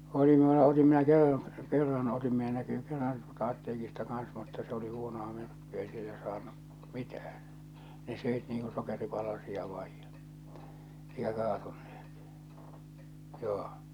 oli minulla otin minä kerran kerran otin minä näkyy kerran tuolta apteekista kanssa mutta se oli huonoa myrkkyä ei sillä saanut mitään ne söi niin kuin sokeripalasia vain ja eikä kaatuneet joo